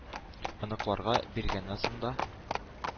Оныкларга биргәннән соң да